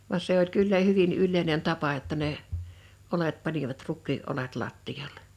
vaan se oli kyllä hyvin yleinen tapa jotta ne oljet panivat rukiin oljet lattialle